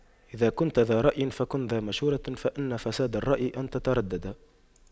إذا كنتَ ذا رأيٍ فكن ذا مشورة فإن فساد الرأي أن تترددا